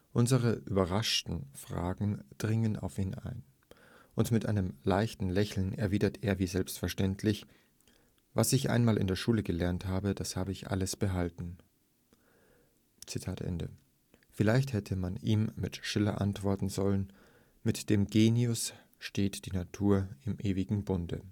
Unsere überraschten Fragen dringen auf ihn ein. Und mit einem leichten Lächeln erwidert er wie selbstverständlich: ‚ Was ich einmal in der Schule gelernt habe, das habe ich alles behalten. ‘– Vielleicht hätte man ihm mit Schiller antworten sollen: ‚ Mit dem Genius steht die Natur im ewigen Bunde